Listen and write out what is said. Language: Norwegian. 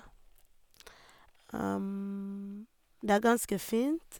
Det er ganske fint.